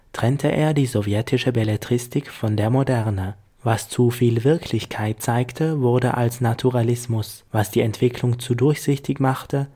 trennte er die sowjetische Belletristik von der Moderne. Was zu viel Wirklichkeit zeigte, wurde als Naturalismus, was die Entwicklung zu durchsichtig machte